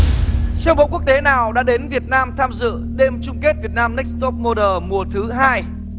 siêu mẫu quốc tế nào đã đến việt nam tham dự đêm chung kết việt nam nếch tốp mô đờ mùa thứ hai